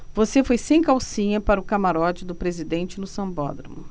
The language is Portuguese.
você foi sem calcinha para o camarote do presidente no sambódromo